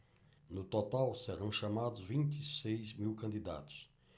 no total serão chamados vinte e seis mil candidatos